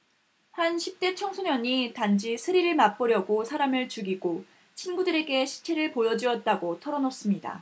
한 십 대 청소년이 단지 스릴을 맛보려고 사람을 죽이고 친구들에게 시체를 보여 주었다고 털어놓습니다